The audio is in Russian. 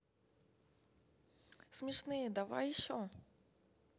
смешные давай еще